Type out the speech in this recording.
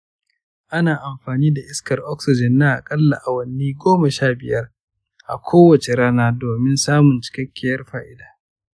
ana amfani da iskar oxygen na akalla awanni goma sha biyar a kowace rana domin samun cikakken fa’ida.